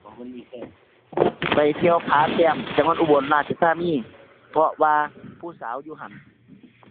ไปเที่ยวผาแต้ม จังหวัดอุบลราชธานี เพราะว่าผู้สาวอยู่หั้น